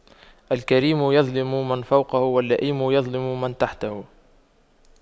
الكريم يظلم من فوقه واللئيم يظلم من تحته